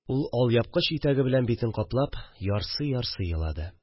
Ул, алъяпкыч итәге белән битен каплап, ярсый-ярсый елады